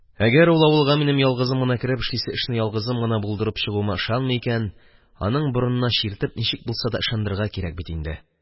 Әгәр ул авылга минем ялгызым гына кереп, эшлисе эшне ялгызым гына булдырып чыгуыма ышанмый икән, аның борынына чиртеп, ничек булса да ышандырырга кирәк бит инде.